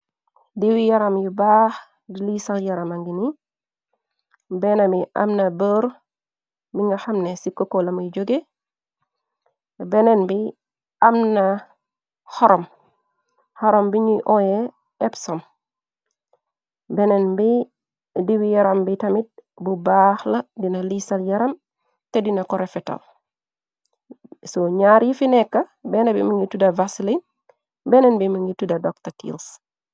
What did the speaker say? Diiw-yaram yu baax di liisal yarama ngi ni. Benen bi amna buur lu nga xamne ci kokko lamuy jóge. Beneen bi amna huram bu nyu oye epsom. Benen bu yaram bi tamit bu baax la dina liisal yaram te dina korefetal. So nyarr yufa nekka benn bi mu ngi tuda varseline, beneen bi mu ngi tuda dr teals.